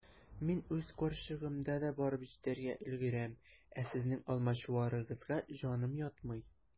Мин үз карчыгымда да барып җитәргә өлгерәм, ә сезнең алмачуарыгызга җаным ятмый.